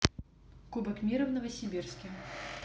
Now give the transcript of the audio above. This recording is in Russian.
кубок мира в новосибирске